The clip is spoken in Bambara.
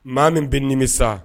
Maa min bɛ nimi sa